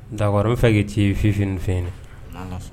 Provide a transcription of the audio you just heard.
Dakɔrɔ i bɛ fɛ ka ci fif f